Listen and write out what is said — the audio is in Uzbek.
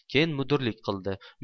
keyin mudirlik qildi